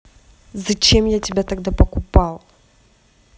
зачем я тебя тогда покупал